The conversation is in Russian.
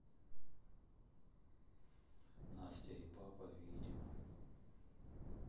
настя и папа видео